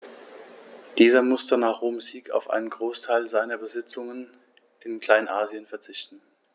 Dieser musste nach Roms Sieg auf einen Großteil seiner Besitzungen in Kleinasien verzichten.